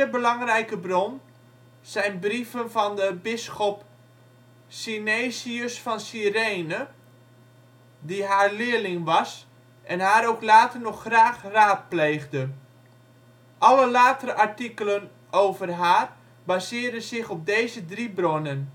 belangrijke bron zijn brieven van de bisschop Synesius van Cyrene, die haar leerling was en haar ook later nog graag raadpleegde. Alle latere artikelen over haar baseren zich op deze drie bronnen